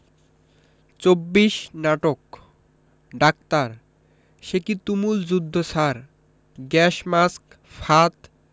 ২৪ নাটক ডাক্তার সেকি তুমুল যুদ্ধ স্যার গ্যাস মাস্ক ফাঁদ